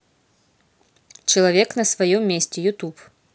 человек на своем месте ютуб